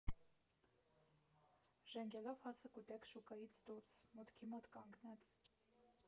Ժենգյալով հացը կուտեք շուկայից դուրս, մուտքի մոտ կանգնած։